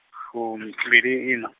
fumbiliiṋa.